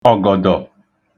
̣ọ̀gọ̀dọ̀